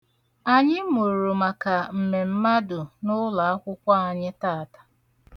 Anyị mụrụ maka mmemmadụ n'ụlọakwụkwọ anyị taata.